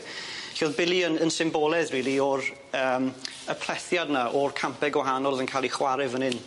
'Lly o'dd Billy yn yn symboledd rili o'r yym y plethiad 'na o'r campe gwahanol o'dd yn ca'l 'u chware fyn 'yn.